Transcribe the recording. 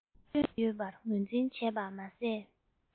སྐྱོན ཡོད པར ངོས འཛིན བྱས པ མ ཟད